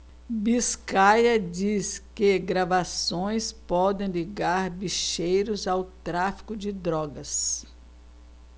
biscaia diz que gravações podem ligar bicheiros ao tráfico de drogas